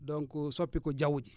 donc soppiku jaww ji